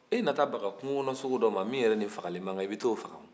e na taa baga kungo kɔnɔsogo dɔ ma min yɛrɛ ni fagali makan i b'e t'o faga o